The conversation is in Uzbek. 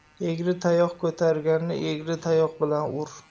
egri tayoq ko'targanni egri tayoq bilan ur